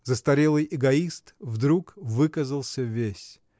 Застарелый эгоист вдруг выказался весь.